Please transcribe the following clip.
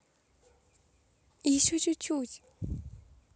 и еще чуть чуть